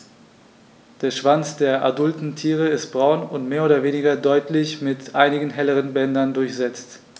Der Schwanz der adulten Tiere ist braun und mehr oder weniger deutlich mit einigen helleren Bändern durchsetzt.